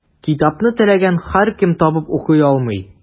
Китапны теләгән һәркем табып укый алмый.